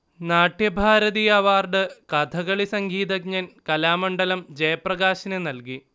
Natyabharati award Kathakali സംഗീതജ്ഞൻ കലാമണ്ഡലം ജയപ്രകാശിന് നൽകി